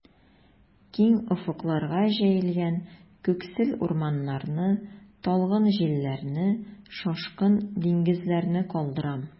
Киң офыкларга җәелгән күксел урманнарны, талгын җилләрне, шашкын диңгезләрне калдырам.